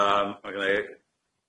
Yym ma' gennai